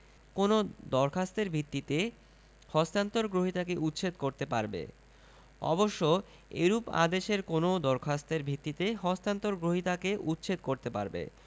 কোনও দরখাস্তের ভিত্তিতে হস্তান্তর গ্রহীতাকে উচ্ছেদ করতে পারবে অবশ্য এরূপ আদেশের কোনও দরখাস্তের ভিত্তিতে হস্তান্তর গ্রহীতাকে উচ্ছেদ করতে পারবে